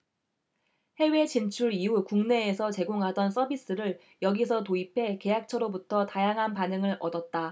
해외 진출 이후 국내에서 제공하던 서비스를 여기서 도입해 계약처로부터 다양한 반응을 얻었다